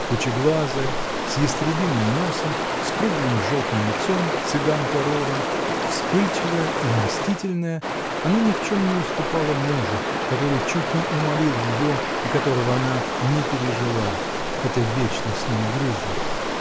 Пучеглазая, с ястребиным носом, с круглым желтым лицом, цыганка родом, вспыльчивая и мстительная, она ни в чем не уступала мужу, который чуть не уморил ее и которого она не пережила, хотя вечно с ним грызлась.